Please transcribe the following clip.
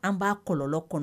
An b'a kɔlɔlɔ kɔnɔ